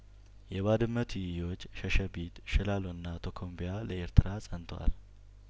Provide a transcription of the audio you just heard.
የባድመ ትይዩዎች ሸሸቢት ሽላሎና ቶኮምቢያ ለኤርትራ ጸንተዋል